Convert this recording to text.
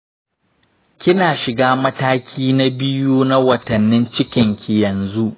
kina shiga mataki na biyu na watannin cikin ki yanzu.